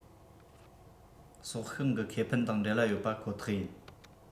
སྲོག ཤིང གི ཁེ ཕན དང འབྲེལ བ ཡོད པ ཁོ ཐག ཡིན